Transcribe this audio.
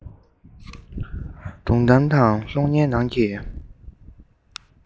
སྒྲུང གཏམ དང གློག བརྙན ནང གི